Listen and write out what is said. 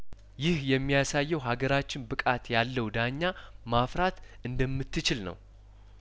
ይህ የሚያሳየው ሀገራችን ብቃት ያለው ዳኛ ማፍራት እንደምትችል ነው